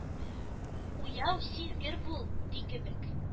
Уяу, сизгер бул...” – ди кебек.